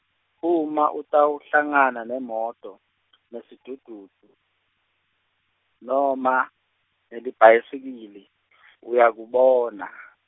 uma utawuhlangana nemoto , nesidududu, noma, nelibhayisikili , uyakubona.